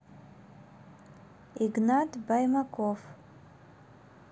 игнат баймаков